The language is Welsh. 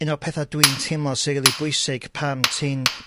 un o'r petha dwi'n teimlo sy rili bwysig pan ti'n